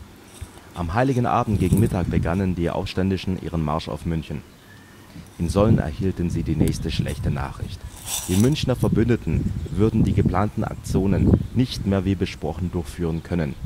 Am Heiligen Abend gegen Mittag begannen die Aufständischen ihren Marsch auf München. In Solln erhielten sie die nächste schlechte Nachricht: Die Münchener Verbündeten würden die geplanten Aktionen nicht mehr wie besprochen durchführen können